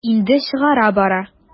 Инде чыгарга бара.